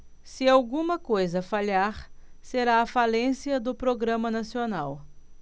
se alguma coisa falhar será a falência do programa nacional